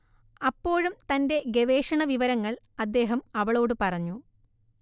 അപ്പോഴും തന്റെ ഗവേഷണവിവരങ്ങൾ അദ്ദേഹം അവളോട് പറഞ്ഞു